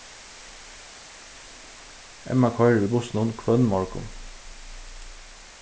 emma koyrir við bussinum hvønn morgun